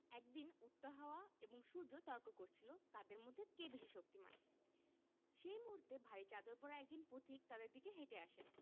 একদিন উত্তর হাওয়া এবং সূর্য তর্ক করছিল তাদের মধ্যে কে বেশি শক্তিমান সেই মুহূর্তে ভারি চাদর পরা একজন পথিক তাদের দিকে হেটে আসেন